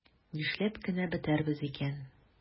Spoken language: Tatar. Нишләп кенә бетәрбез икән?